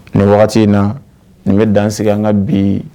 Mɛ wagati in na nin bɛ dansigi an ka bi